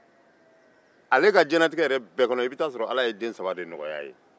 i bɛ t'a sɔrɔ ala ye den saba de nɔgɔya a ye a ka diɲɛnatigɛ bɛɛ kɔnɔ